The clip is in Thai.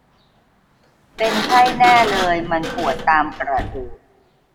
เป็นไข้แน่เลยมันปวดตามกระดูก